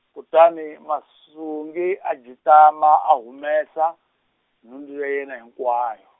kutani Masungi a jitama a humesa, nhundzu ya yena hinkwayo.